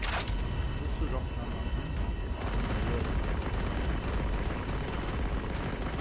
hvussu roknar mann ummálið á einum røri